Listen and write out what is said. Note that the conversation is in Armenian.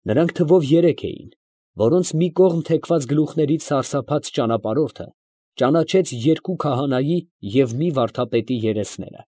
Նրանք թվով երեք էին, որոնց մի կողմ թեքված գլուխներից սարսափած ճանապարհորդը ճանաչեց երկու քահանայի և մի վարդապետի երեսները։